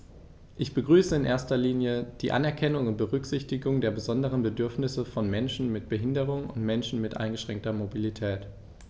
Ich begrüße in erster Linie die Anerkennung und Berücksichtigung der besonderen Bedürfnisse von Menschen mit Behinderung und Menschen mit eingeschränkter Mobilität.